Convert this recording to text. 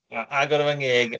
A agor fy ngeg.